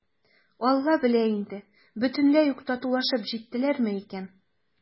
«алла белә инде, бөтенләй үк татулашып җиттеләрме икән?»